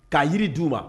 K'a jiri du wa